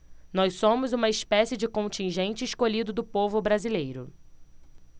nós somos uma espécie de contingente escolhido do povo brasileiro